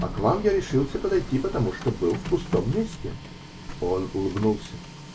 А к вам я решился подойти, потому что был в пустом месте. Он улыбнулся.